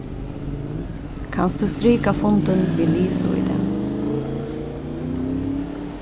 kanst tú strika fundin við lisu í dag